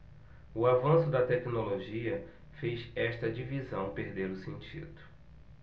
o avanço da tecnologia fez esta divisão perder o sentido